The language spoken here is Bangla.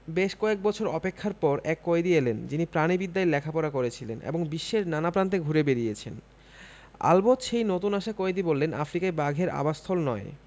বেশ কয়েক বছর অপেক্ষার পর এক কয়েদি এলেন যিনি প্রাণিবিদ্যায় লেখাপড়া করেছিলেন এবং বিশ্বের নানা প্রান্তে ঘুরে বেড়িয়েছেন আলবত সেই নতুন আসা কয়েদি বললেন আফ্রিকা বাঘের আবাসস্থল নয়